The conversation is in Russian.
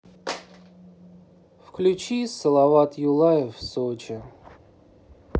включи салават юлаев в сочи